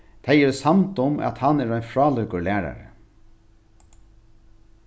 tey eru samd um at hann er ein frálíkur lærari